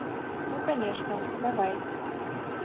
ну конечно давай